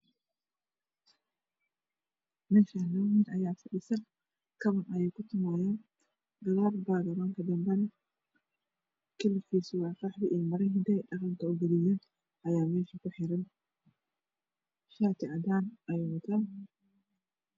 Meeshaani laba wiil ayaa fadhisa kaban ayeey ku tumayan gadasha dembane ne kalarkiisu waa qaxwi maryo hidaha iyo dhaqanka oo gaduuda ah ayaa mewsha ku xiran shati cadan ayuu waraa